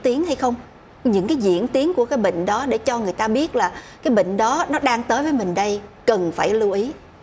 tiến hay không những diễn tiến của các bệnh đó để cho người ta biết là cái bệnh đó nó đang tới gần đây cần phải lưu ý